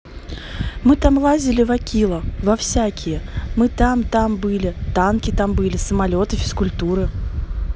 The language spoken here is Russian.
мы там лазили vakula во всякие мы там там были танки там были самолеты физкультуры